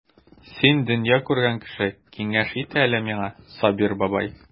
Син дөнья күргән кеше, киңәш ит әле миңа, Сабир бабай.